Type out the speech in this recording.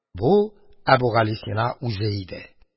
Бу Әбүгалисина үзе иде.